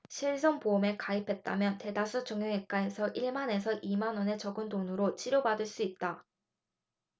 실손보험에 가입했다면 대다수 정형외과에서 일 만 에서 이 만원의 적은 돈으로 치료를 받을 수 있다